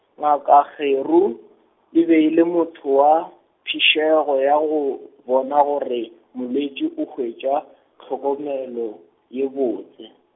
ngaka Kgeru, e be e le motho wa phišego ya go, bona gore molwetši o hwetša, tlhokomelo ye botse.